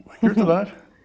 var kult det der.